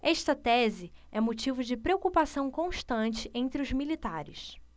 esta tese é motivo de preocupação constante entre os militares